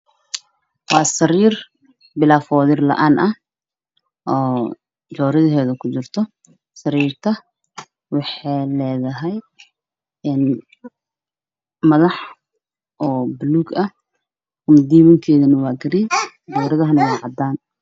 Waa sariir oo foodari la aan ah oo joodarigeeda kujirto, sariirta waxay leedahay madax buluug ah, koobadiinka waa garee, joodariyada waa cadaan.